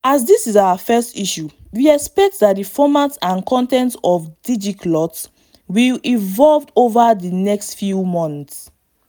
As this is our first issue, we expect that the format and the content of DigiGlot will evolve over the next few months.